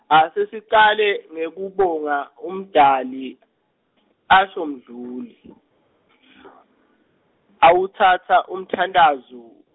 ase sicale, ngekubonga, umdali , asho Mdluli , awutsatsa umthandazo.